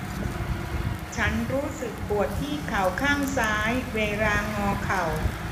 ฉันรู้สึกปวดที่เข่าข้างซ้ายเวลางอเข่า